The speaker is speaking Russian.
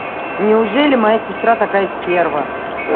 неужели моя сестра такая стерва